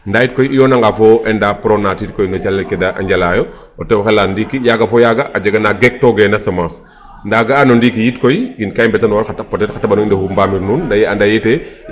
Ndaa yit koy i yoonanga fo ENDA PRONAT in no calel ke da njalaayo o tew oxe layan ndiiki yaaga fo yaaga a jega na geek to gena semence .Ndaa ga'ano ndiiki yit koy in ka mbatandor peut etre xa teɓandong i ndefu koy mbamir nuun ndaa i anda yitee.